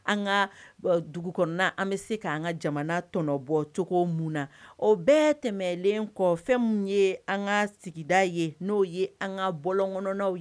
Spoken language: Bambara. An ka dugu kɔnɔna an bɛ se ka an ka jamana tɔnɔbɔcogo min na o bɛɛ tɛmɛlen kɔ fɛn minnu ye an ka sigida ye n'o ye an ka bɔlɔn kɔnɔnw ye